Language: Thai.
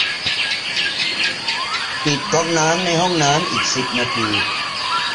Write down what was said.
ปิดก๊อกน้ำในห้องน้ำอีกสิบนาที